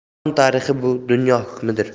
jahon tarixi bu dunyo hukmidir